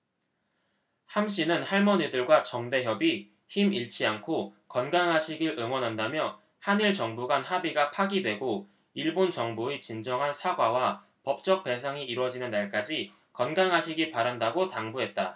함씨는 할머니들과 정대협이 힘 잃지 않고 건강하시길 응원한다며 한일 정부 간 합의가 파기되고 일본 정부의 진정한 사과와 법적 배상이 이뤄지는 날까지 건강하시기 바란다고 당부했다